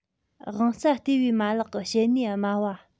དབང རྩ ལྟེ བའི མ ལག གི བྱེད ནུས དམའ བ